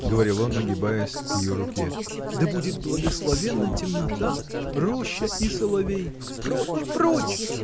— говорил он, нагибаясь к ее руке, — да будет благословенна темнота, роща и соловей! — Прочь, прочь!